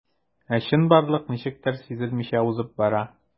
Ә чынбарлык ничектер сизелмичә узып бара.